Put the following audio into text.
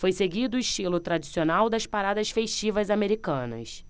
foi seguido o estilo tradicional das paradas festivas americanas